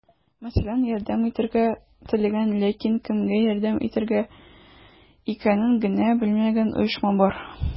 Мәсәлән, ярдәм итәргә теләгән, ләкин кемгә ярдәм итергә икәнен генә белмәгән оешма бар.